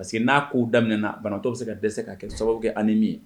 Parce que n'a kow daminɛna banabaatɔ be se ka dɛsɛ ka kɛ sababu kɛ anémie ye